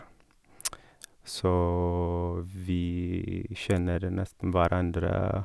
Så vi kjenner nesten hverandre.